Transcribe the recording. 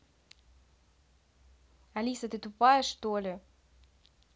алиса ты тупая что ли